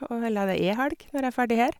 og eller Ja, det er helg, når jeg er ferdig her.